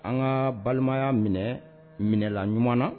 An ka balimaya minɛ, minɛla ɲuman na.